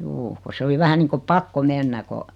juu kun se oli vähän niin kuin pakko mennä kun